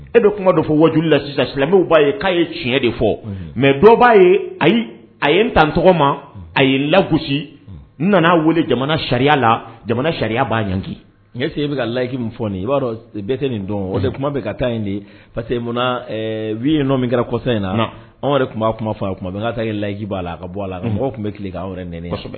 E bɛ kuma dɔ fɔ waju la sisan silamɛw b'a ye'a ye tiɲɛ de fɔ mɛ dɔw b'a ye ayi a yetan tɔgɔ ma a ye laku nana wele jamana sariya la jamana sariya b'a yan se e bɛ ka layiki min fɔ nin i b'a dɔn bɛɛ tɛ nin dɔn o bɛ ka taa in de munnai ye nɔ min kɛra kɔsɔn in na anw yɛrɛ tun b'a kuma fɔ a tuma e layiji'a la ka bɔ a la mɔgɔ tun bɛ tile k' yɛrɛ n